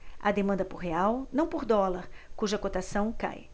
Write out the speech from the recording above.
há demanda por real não por dólar cuja cotação cai